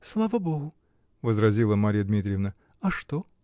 -- Слава богу, -- возразила Марья Дмитриевна, -- а что?